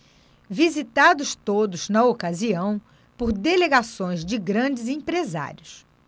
visitados todos na ocasião por delegações de grandes empresários